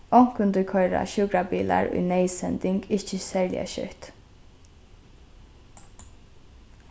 onkuntíð koyra sjúkrabilar í neyðsending ikki serliga skjótt